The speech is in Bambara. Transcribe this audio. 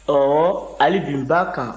ɔwɔ hali bi n b'a kan